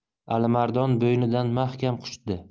alimardon bo'ynidan mahkam quchdi